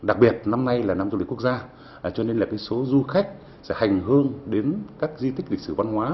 đặc biệt năm nay là năm du lịch quốc gia à cho nên là cái số du khách sẽ hành hương đến các di tích lịch sử văn hóa